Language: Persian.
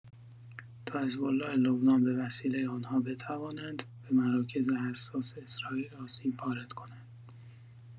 تا حزب‌الله لبنان به وسیله آنها بتوانند به مراکز حساس اسرائیل آسیب وارد کند.